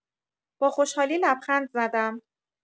با خوشحالی لبخند زدم.